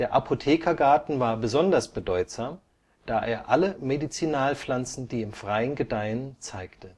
Apothekergarten war besonders bedeutsam, da er alle Medizinalpflanzen, die im Freien gedeihen, zeigte